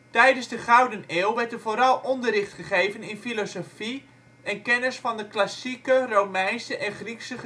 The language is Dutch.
Tijdens de Gouden Eeuw werd er vooral onderricht gegeven in filosofie en kennis van de klassieke Romeinse en Griekse